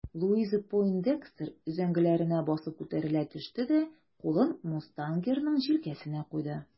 Луиза Пойндекстер өзәңгеләренә басып күтәрелә төште дә кулын мустангерның җилкәсенә куйды.